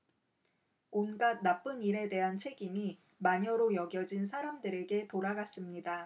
온갖 나쁜 일에 대한 책임이 마녀로 여겨진 사람들에게 돌아갔습니다